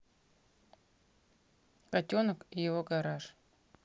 котенок и его гараж